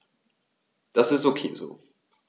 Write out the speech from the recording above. Das ist ok so.